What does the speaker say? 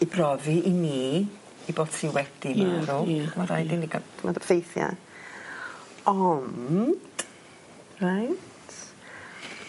I brofi i ni 'i bot hi wedi marw. Ia ia ia. Ma' raid i ni ga- t'mod y ffeithia. Ond reit